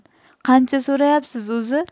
qancha so'rayapsiz o'zi